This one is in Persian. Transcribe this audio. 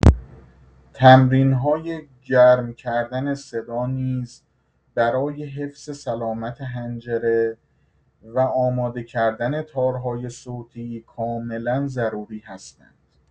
تمرین‌های گرم‌کردن صدا نیز برای حفظ سلامت حنجره و آماده کردن تارهای صوتی کاملا ضروری هستند.